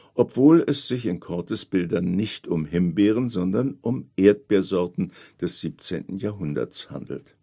obwohl es sich in Coortes Bildern nicht um Himbeeren, sondern um Erdbeersorten des 17. Jahrhunderts handelt